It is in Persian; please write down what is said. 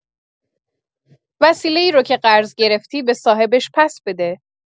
وسیله‌ای رو که قرض گرفتی به صاحبش پس‌بده